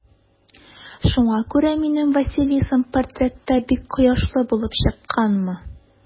Шуңа күрә минем Василисам портретта бик кояшлы булып чыкканмы?